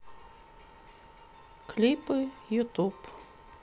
клипы ютуб